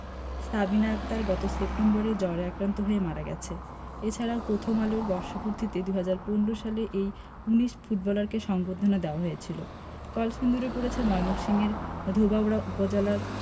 সাবিনা আক্তার গত সেপ্টেম্বরে জ্বরে আক্রান্ত হয়ে মারা গেছে এ ছাড়া প্রথম আলোর বর্ষপূর্তিতে ২০১৫ সালে এই ১৯ ফুটবলারকে সংবর্ধনা দেওয়া হয়েছিল কলসিন্দুরে পড়েছে ময়মনসিংহের ধোবাউড়া উপজেলার